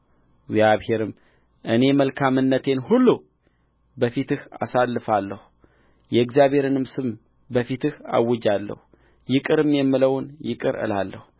እግዚአብሔርም እኔ መልካምነቴን ሁሉ በፊትህ አሳልፋለሁ የእግዚአብሔርንም ስም በፊትህ አውጃለሁ ይቅርም የምለውን ይቅር እላለሁ